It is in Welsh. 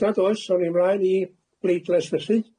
Os nad oes, awni mlaen i bleidlais felly.